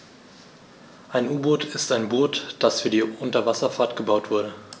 Ein U-Boot ist ein Boot, das für die Unterwasserfahrt gebaut wurde.